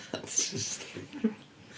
That's just stupid.